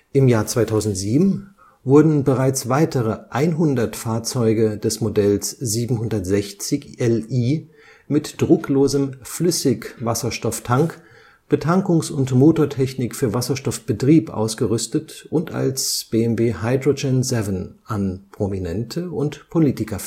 Im Jahr 2007 wurden bereits weitere 100 Fahrzeuge des Modells 760Li (E68) mit drucklosem Flüssig-H2-Tank, Betankungs - und Motortechnik für Wasserstoffbetrieb ausgerüstet und als BMW Hydrogen 7 an Prominente und Politiker